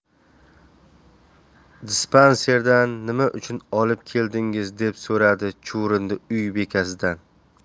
dispanserdan nima uchun olib keldingiz deb so'radi chuvrindi uy bekasidan